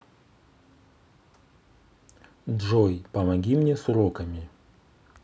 джой помоги мне с уроками